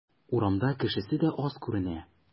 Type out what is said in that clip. Урамда кешесе дә аз күренә.